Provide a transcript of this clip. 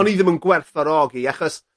O'n i ddim yn gwerthfawrogi achos